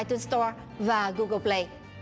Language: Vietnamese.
tun to và gu gồ bờ lây